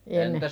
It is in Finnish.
ennen